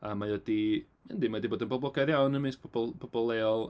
A mae o 'di... yndy mae 'di bod yn boblogaidd iawn ymysg pobl pobl leol.